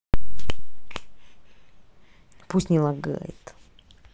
пусть не лагает